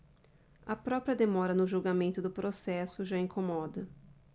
a própria demora no julgamento do processo já incomoda